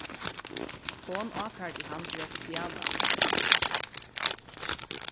hon ákærdi hann fyri at stjala